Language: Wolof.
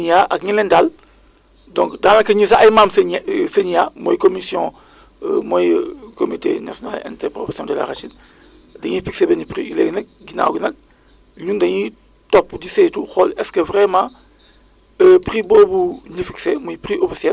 prévision da ngay prévoir oli nga xamante ni ñëwagul mais alerte boo ko déggee mooy li nga xamante ni gis nga ko mi ngi ñëw te am nga yaakaar ni lii kat presque egsi na léegi nga envoyé un message aux diffrents usagers pour ñu mën a changer seen kii quoi seen seen kii quoi seen toogaay